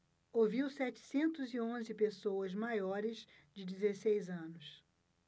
ouviu setecentos e onze pessoas maiores de dezesseis anos